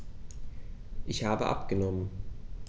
Ich habe abgenommen.